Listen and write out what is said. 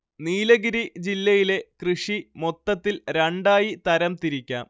നീലഗിരി ജില്ലയിലെ കൃഷി മൊത്തത്തിൽ രണ്ടായി തരം തിരിക്കാം